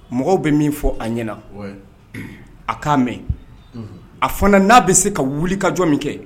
Mɔgɔw bɛ min fɔ a ɲɛna a k'a mɛn a fana n'a bɛ se ka wuli ka jɔn min kɛ